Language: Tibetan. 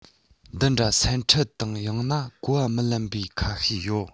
འདི འདྲ སེམས ཁྲལ དང ཡང ན གོ བ མི ལེན པའི ཁ ཤས ཡོད